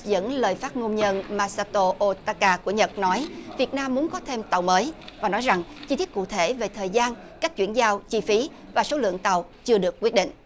dẫn lời phát ngôn nhận ma ca tô ô ta ca của nhật nói việt nam muốn có thêm tàu mới và nói rằng chi tiết cụ thể về thời gian cách chuyển giao chi phí và số lượng tàu chưa được quyết định